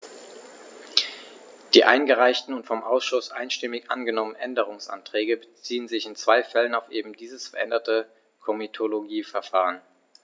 Die eingereichten und vom Ausschuss einstimmig angenommenen Änderungsanträge beziehen sich in zwei Fällen auf eben dieses veränderte Komitologieverfahren.